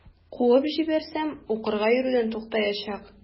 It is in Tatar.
Куып җибәрсәм, укырга йөрүдән туктаячак.